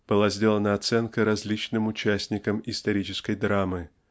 была сделана оценка различным участникам исторической драмы